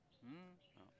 hum